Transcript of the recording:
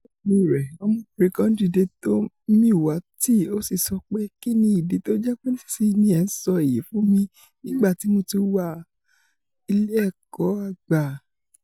'Lópin rẹ̀ ọmọbìnrin kan dìde tọ̀ mi wá tí ó sì sọ pé: 'Kínni ìdí tó jẹ́pé nísinsìnyí ni ẹ̀ ń sọ èyí fún mi, nígbà tí mó ti wà ilé ẹ́kọ̀o àgbà?'